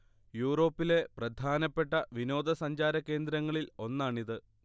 യൂറോപ്പിലെ പ്രധാനപ്പെട്ട വിനോദ സഞ്ചാര കേന്ദ്രങ്ങളിൽ ഒന്നാണിത്